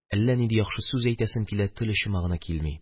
Әллә нинди яхшы сүз әйтәсем килә, тел очыма гына килми.